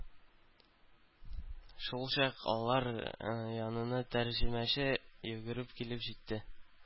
Шулчак алар янына тәрҗемәче йөгереп килеп җитте.